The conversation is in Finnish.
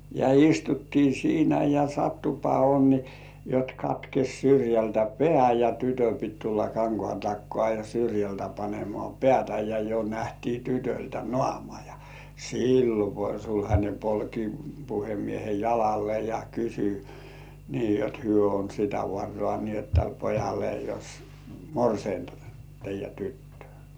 ja istuttiin siinä ja sattuipa onni jotta katkesi syrjältä pää ja tytön piti tulla kankaan takaa ja syrjältä panemaan päätä ja jo nähtiin tytöltä naama ja silloin kun sulhanen polki puhemiehen jalalle ja kysyi niin jotta he on sitä varaa niin jotta tälle pojalle jos morsianta teidän tyttöä